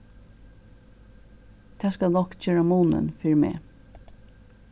tað skal nokk gera munin fyri meg